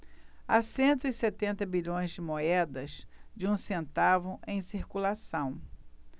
há cento e setenta bilhões de moedas de um centavo em circulação